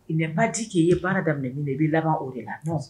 Il n'est pas dit que i ye baara daminɛ min na i bɛ laban o de la